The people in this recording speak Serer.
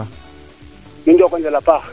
u njoko njal a paax